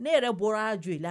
Ne yɛrɛ bɔra Joila